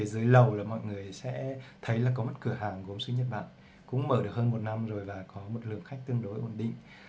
có một cửa hàng gốm sứ nhật bản ở dưới lầu mở được hơn năm và có lượng khách tương đối ổn định